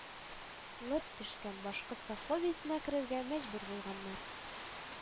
Лып төзелгән башкорт сословиесенә керергә мәҗбүр булганнар